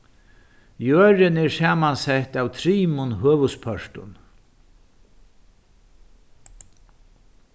jørðin er samansett av trimum høvuðspørtum